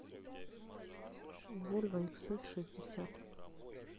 вольво икс эс шестьдесят